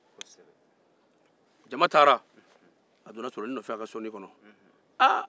jama taara a donna solonin nɔfɛ a ka so kɔnɔ